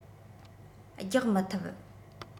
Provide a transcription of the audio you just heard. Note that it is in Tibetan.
རྒྱག མི ཐུབ